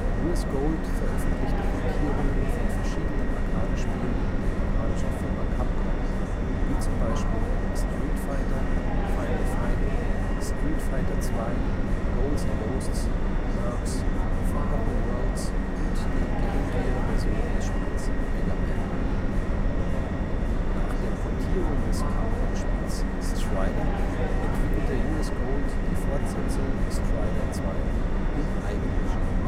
U.S. Gold veröffentlichte Portierungen von verschiedenen Arcardespielen der japanischen Firma Capcom, wie zum Beispiel Street Fighter, Final Fight, Street Fighter II, Ghouls ' n Ghosts, Mercs, Forgotten Worlds und die Game Gear-Version des Spiels Mega Man. Nach der Portierung des Capcom-Spiels Strider entwickelte U.S. Gold die Fortsetzung Strider II in Eigenregie